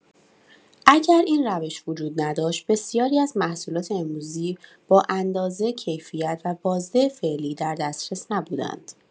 اگر این روش وجود نداشت، بسیاری از محصولات امروزی با اندازه، کیفیت و بازده فعلی در دسترس نبودند.